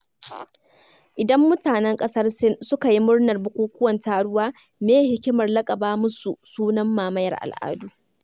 Idan mutanen ƙasar Sin suka yi murnar bukukuwan Turawa, me ye hikimar laƙaba musu sunan mamayar al'adu?